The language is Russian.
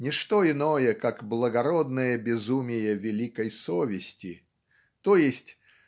не что иное, как благородное безумие великой совести, т. е.